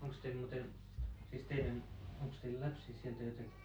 onkos teillä muuten siis teidän onkos teillä lapsia siellä tai jotakin